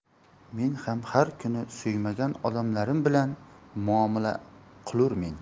men ham har kuni suymagan odamlarim bilan muomala qilurmen